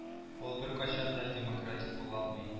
Ул беркайчан да демократик була алмый